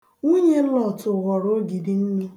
Nwunye Lot ghọrọ ogidi nnu.